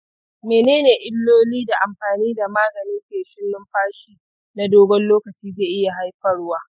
mene ne illolin da amfani da maganin feshin numfashi na dogon lokaci zai iya haifarwa?